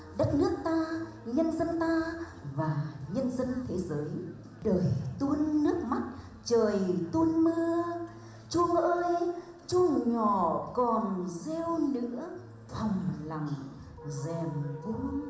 đất nước ta nhân dân ta và nhân dân thế giới đời tuôn nước mắt trời tuôn mưa chuông ơi chuông nhỏ còn reo nữa thầm lặng rèm buông